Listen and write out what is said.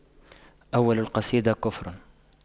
أول القصيدة كفر